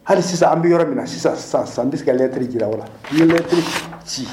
Hali sisan an bɛ yɔrɔ min na sisan san san bɛ ka lɛ teri jira la lɛ teri ci